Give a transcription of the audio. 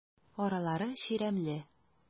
Аралары чирәмле.